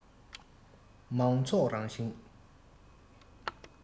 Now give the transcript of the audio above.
མང ཚོགས རང བཞིན